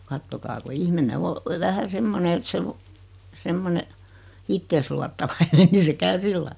katsokaa kun ihminen on vähän semmoinen että se - semmoinen itseensä luottavainen niin se käy sillä lailla